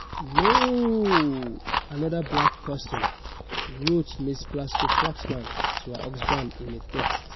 "NOOOOOOOOOOO ANOTHER BLACK PERSON," wrote Mrs Plasco-Flaxman to her husband in a text.